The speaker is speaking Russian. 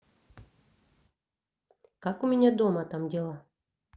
как у меня дома там дела